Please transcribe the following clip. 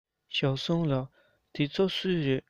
ཞའོ སུང ལགས འདི ཚོ སུའི རེད